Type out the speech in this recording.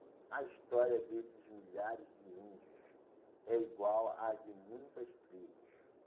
a história desses milhares de índios é igual à de muitas tribos